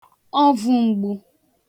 ọvụmgbū